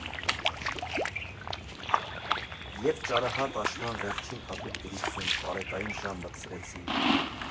Եվ ճարահատ աշնան վերջին հատուկ դրություն, պարետային ժամ մտցրեցին.